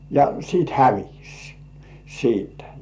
ja sitten hävisi siitä